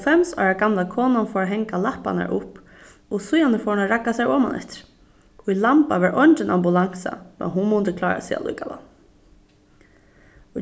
hálvfems ára gamla konan fór at hanga lapparnar upp og síðani fór hon at ragga sær omaneftir í lamba var eingin ambulansa men hon mundi klára seg allíkavæl